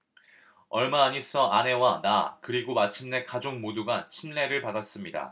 얼마 안 있어 아내와 나 그리고 마침내 가족 모두가 침례를 받았습니다